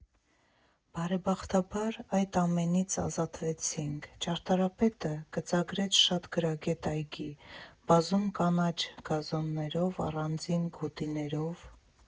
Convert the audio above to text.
Բարեբախտաբար, այդ ամենից ազատվեցինք, ճարտարապետը գծագրեց շատ գրագետ այգի, բազում կանաչ գազոններով, առանձին գոտիներով։